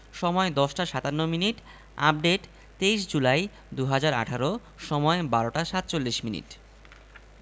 সময়ঃ ১০টা ৫৭ minute update ২৩ July ২০১৮ সময় ১২টা ৪৭ মিনিট